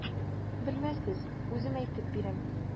Белмәссез, үзем әйтеп бирәм.